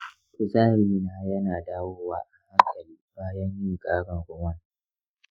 kuzarina ya na dawowa a hankali bayan yin ƙarin-ruwan.